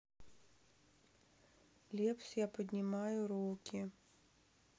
лепс я поднимаю руки